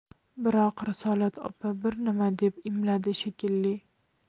biroq risolat opa bir nima deb imladi shekilli